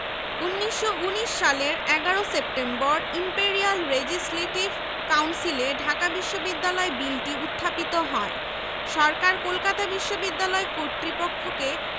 ১৯১৯ সালের ১১ September imperial legislative কাউন্সিলে ঢাকা বিশ্ববিদ্যালয় বিলটি উত্থাপিত হয় সরকার কলকাতা বিশ্ববিদ্যালয় কর্তৃপক্ষকে